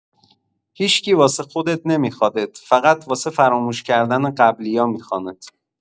هیشکی واسه خودت نمیخوادت، فقط واسه فراموش کردن قبلیا میخوانت.